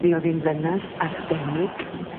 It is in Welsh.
Mi o'dd 'i'n ddynas arbennig